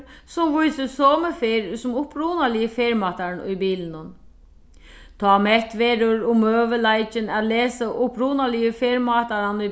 sum vísir somu ferð sum upprunaligi ferðmátarin í bilinum tá mett verður um møguleikin at lesa upprunaligu ferðmátaran í